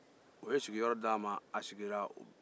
u ye sigiyɔrɔ di a ma a sigira